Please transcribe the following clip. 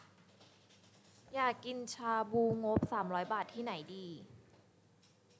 อยากกินชาบูงบสามร้อยบาทที่ไหนดี